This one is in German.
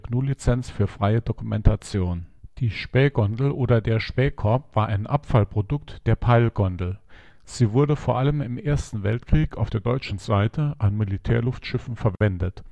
GNU Lizenz für freie Dokumentation. Juray Spähgondel Die Spähgondel oder der Spähkorb war ein " Abfallprodukt " der Peilgondel. Sie wurde vor allem im Ersten Weltkrieg an Militärluftschiffen verwendet